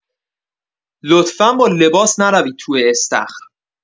لطفا با لباس نروید توی استخر!